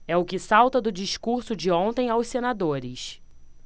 é o que salta do discurso de ontem aos senadores